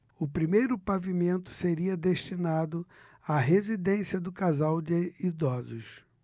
o primeiro pavimento seria destinado à residência do casal de idosos